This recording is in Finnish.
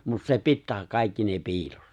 mutta se pitää kaikki ne piilossa